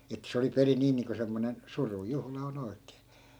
että se oli perin niin niin kuin semmoinen surujuhla on oikein